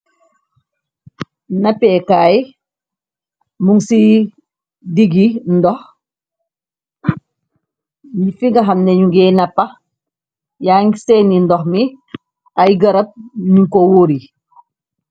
Napeekaay mung ci diggi ndox, fi ngaxamna ñu ngi nappa, yaangi seeni ndox mi, ay gërab ñunko wóori.